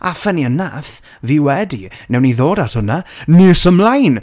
A funny enough fi wedi, wnawn ni ddod at hwnna nes ymlaen!